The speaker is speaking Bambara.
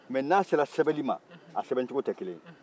nka n'a sera sɛbɛnni ma a sɛbɛncogow tɛ kelen